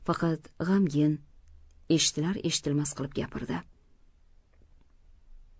faqat g'amgin eshitilar eshitilmas qilib gapirdi